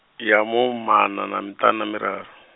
ya mahumimaṋa na miṱanu na miraru.